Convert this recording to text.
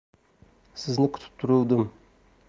sizni kutib turuvdim